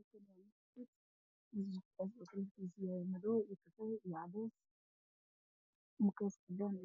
Meeshaan waa meel masaajidda waxaa jooga rag farabadan waa